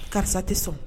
Karisa te sɔn